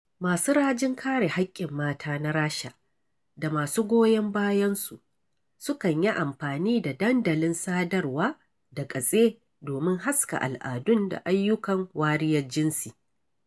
Masu rajin kare haƙƙin mata na Rasha da masu goyon bayansu sukan yi amfani da dandalin sadarwa da gatse domin haska al'adun da ayyukan wariyar jinsi.